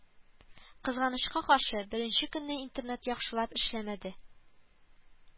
Кызганычка каршы, беренче көнне интернет яхшылап эшләмәде